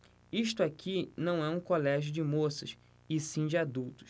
isto aqui não é um colégio de moças e sim de adultos